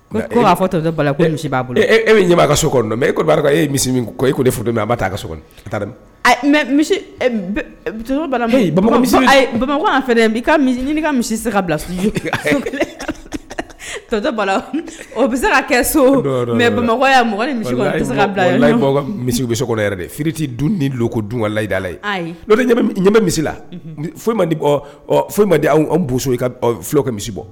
Ko'a fɔ misi'a bolo e bɛ ɲɛ ka so kɔnɔ mɛ e e ye misi min ko e ko ne min a' taa a ka mɛ fɛ' ɲini ka misi se ka bila o bɛ se ka kɛ so ka misi bɛ kɔnɔ yɛrɛ dɛ fiti dun ni don ko dun ka layidalao ɲɛmɛ misi la foyi ma di foyi ma di fulalokɛ misi bɔ